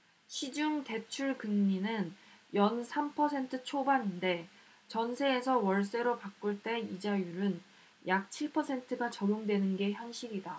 시중 대출금리는 연 삼 퍼센트 초반인데 전세에서 월세로 바꿀 때 이자율은 약 칠 퍼센트가 적용되는 게 현실이다